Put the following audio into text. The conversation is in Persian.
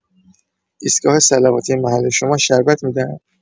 ایستگاه صلواتی محل شما شربت می‌دن؟